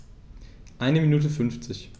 Eine Minute 50